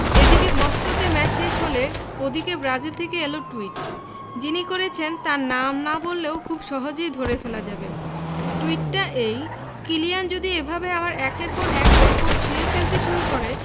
এদিকে মস্কোতে ম্যাচ শেষ হলো ওদিকে ব্রাজিল থেকে এল টুইট যিনি করেছেন তাঁর নাম না বললেও খুব সহজেই ধরে ফেলা যাবে টুইটটা এই কিলিয়ান যদি এভাবে আমার একের পর এক রেকর্ড ছুঁয়ে ফেলতে শুরু করে